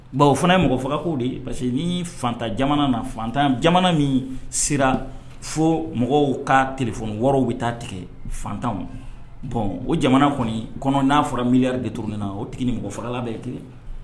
Bon o fana ye mɔgɔ fagakow de ye parce que nii fantan jamana na fantan jamana min sera foo mɔgɔw ka téléphone wɔriw bɛ taa tigɛ fantanw bon o jamana kɔnii kɔnɔ n'a fɔra milliard détourner na o tigi ni mɔgɔ fagala bɛ ye kɛlen ye